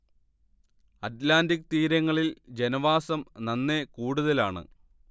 Atlantic തീരങ്ങളിൽ ജനവാസം നന്നെ കൂടുതലാണ്